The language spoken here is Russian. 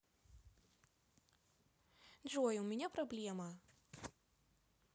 джой у меня проблема